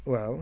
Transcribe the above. waaw